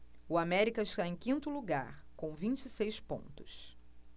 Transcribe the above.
o américa está em quinto lugar com vinte e seis pontos